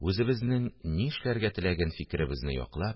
Үзебезнең ни эшләргә теләгән фикеребезне яклап